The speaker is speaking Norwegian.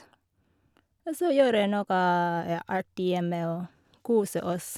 Og så gjøre nokka, ja, artig hjemme, og kose oss.